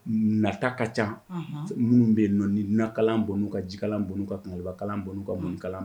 Nata ka ca minnu bɛ yen nɔ ni nakalan bɔn ka jikalan bɔnu ka kanbakalan bɔn ka munkalan